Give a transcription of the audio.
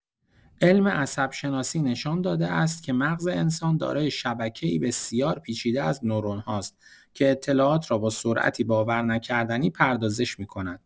علم عصب‌شناسی نشان داده است که مغز انسان دارای شبکه‌ای بسیار پیچیده از نورون‌هاست که اطلاعات را با سرعتی باورنکردنی پردازش می‌کند.